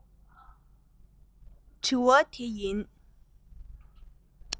དྲི བ དེ ཡིན